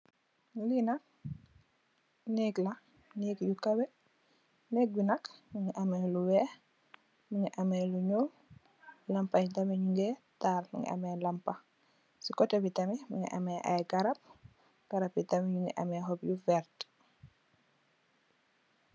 Lii nak nëëk la, neek yu kowe. Neek bi nak, mu ngi amee lu weex, mu ngi amee lu ñuul, lampa yi tamit ñu ngee taal mu ngi amee lampa, si kotte bi tam mu ngi amee ay garab, garab bi tam ñu ngi amee xob yu werta.